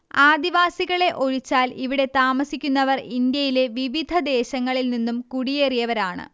ആദിവാസികളെ ഒഴിച്ചാൽ ഇവിടെ താമസിക്കുന്നവർ ഇന്ത്യയിലെ വിവിധ ദേശങ്ങളിൽ നിന്നും കുടിയേറിയവരാണ്